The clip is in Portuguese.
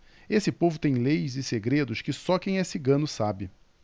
esse povo tem leis e segredos que só quem é cigano sabe